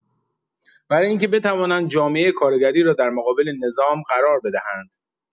برای اینکه بتوانند جامعۀ کارگری را در مقابل نظام قرار بدهند.